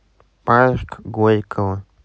парк горького